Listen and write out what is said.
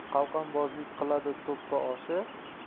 qalqonbozlik qiladi to'ppa oshi